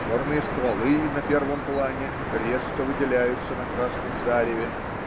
черные стволы на первом плане резко выделяются на красном зареве.